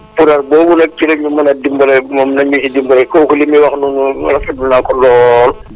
puudar boobu nag ci lañ ñu mën a dimbalee moom nañu ñu ci dimbali kooku li muy wax noonu rafetlu naa ko lool